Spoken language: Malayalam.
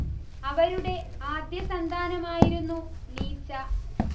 അവരുടെ ആദ്യസന്താനമായിരുന്നു നീച്ച